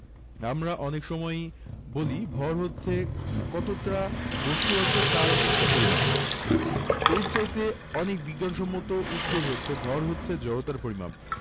আমরা অনেক সময়েই বলি ভর হচ্ছে কতটা বস্তু আছে তার একটা পরিমাপ এর চাইতে অনেক বিজ্ঞানসম্মত উত্তর হচ্ছে ভর হচ্ছে জড়তার পরিমাপ